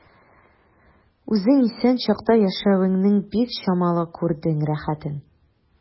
Үзең исән чакта яшәвеңнең бик чамалы күрдең рәхәтен.